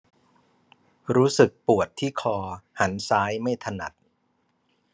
รู้สึกปวดที่คอหันซ้ายไม่ถนัด